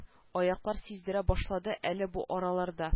Аяклар сиздерә башлады әле бу араларда